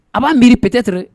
A b'a miiri peut-être